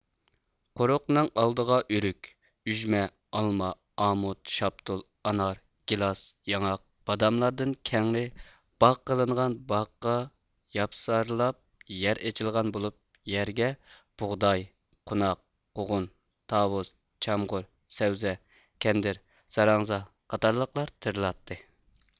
قورۇقنىڭ ئالدىغا ئۆرۈك ئۈجمە ئالما ئامۇت شاپتۇل ئانار گىلاس ياڭاق باداملاردىن كەڭرى باغ قىلىنغان باغقا ياپسارلاپ يەر ئېچىلغان بولۇپ يەرگە بۇغداي قوناق قوغۇن تاۋۇز چامغۇر سەۋزە كەندىر زاراڭزا قاتارلىقلار تېرىلاتتى